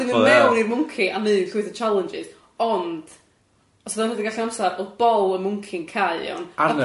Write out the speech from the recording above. A ga'l chdi mynd mewn i'r mwnci a neud llwyth o challenges ond, os oedd o'n rhedeg allan o amsar oedd bol y mwnci'n cau iawn... Arna chdi.